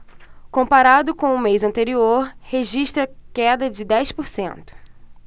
comparado com o mês anterior registra queda de dez por cento